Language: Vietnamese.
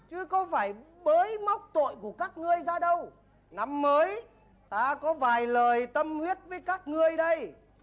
chứ có phải bới móc tội của các ngươi ra đâu năm mới ta có vài lời tâm huyết với các ngươi đây